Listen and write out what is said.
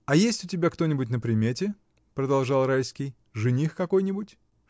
— А есть у тебя кто-нибудь на примете, — продолжал Райский, — жених какой-нибудь?.